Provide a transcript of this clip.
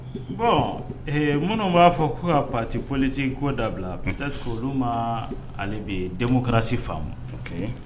Bɔn minnu b'a fɔ ko ka pati polisi koo dabila p patete olu ma ale bɛ denmusokarasi faamu